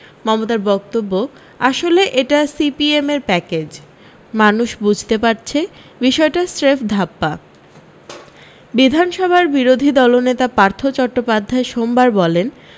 মমতার বক্তব্য আসলে এটা সিপিএমের প্যাকেজ মানুষ বুঝতে পারছে বিষয়টা সেফ ধাপ্পা বিধানসভার বিরোধী দলনেতা পার্থ চট্টোপাধ্যায় সোমবার বলেন